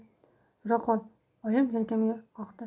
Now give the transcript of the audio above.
yura qol oyim yelkamga qoqdi